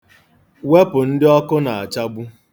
Wepụ ndị ọkụ na-achagbu.